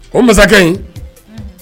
O masakɛ in